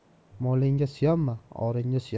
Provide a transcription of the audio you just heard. molingga suyanma oringga suyan